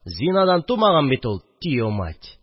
Зинадан тумаган бит ул, тиомать